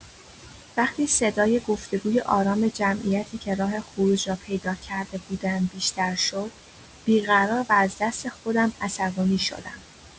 وقتی صدای گفت‌وگوی آرام جمعیتی که راه خروج را پیدا کرده بودند بیشتر شد، بی‌قرار و از دست خودم عصبانی شدم.